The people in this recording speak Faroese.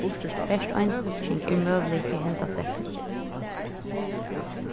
bert ein tulking er møgulig fyri henda setningin